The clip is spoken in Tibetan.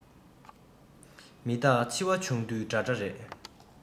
མི རྟག འཆི བ བྱུང དུས འདྲ འདྲ རེད